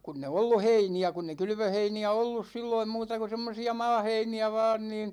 kun ei ollut heiniä kun ei kylvöheiniä ollut silloin muuta kuin semmoisia maaheiniä vain niin